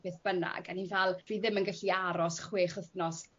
Beth bynnag o'n i fal dwi ddim yn gallu aros chwech wthnos